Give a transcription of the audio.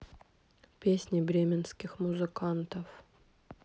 песни бременских музыкантов